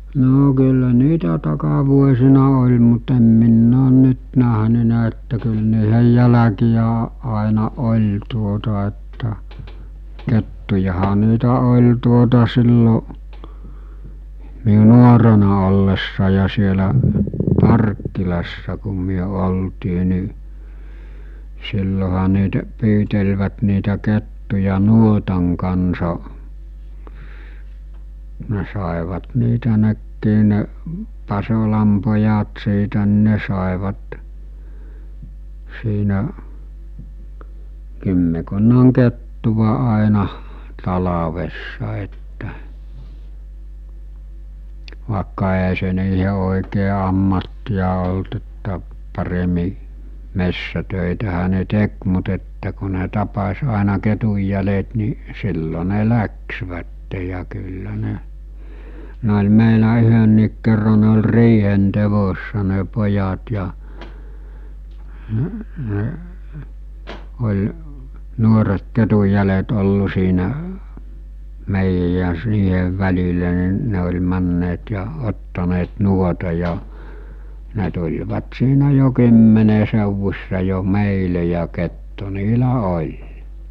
no kyllä niitä takavuosina oli mutta en minä ole nyt nähnyt että kyllä niiden jälkiä - aina oli tuota että kettujahan niitä oli tuota silloin minun nuorena ollessa ja siellä Parkkilassa kun me oltiin niin silloinhan niitä pyytelivät niitä kettuja nuotan kanssa ne saivat niitä nekin ne Pasolan pojat siitä niin ne saivat siinä kymmenkunnan kettua aina talvessa että vaikka eihän se niiden oikein ammattia ollut että paremmin metsätöitähän ne teki mutta että kun ne tapasi aina ketunjäljet niin silloin ne lähtivät ja kyllä ne ne oli meillä yhdenkin kerran ne oli riihen teossa ne pojat ja oli nuoret ketunjäljet ollut siinä meidän ja - niiden välillä niin ne oli menneet ja ottaneet nuotan ja ne tulivat siinä jo kymmenen seudussa jo meille ja kettu niillä oli